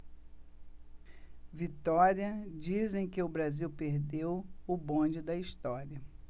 vitória dizem que o brasil perdeu o bonde da história